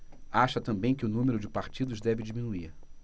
acha também que o número de partidos deve diminuir